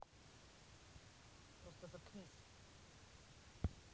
просто заткнись